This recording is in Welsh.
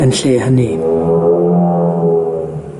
yn lle hynny.